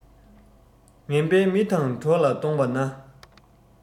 ངན པའི མི དང གྲོགས ལ བསྡོངས པ ན